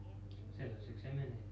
sellaiseksi se menee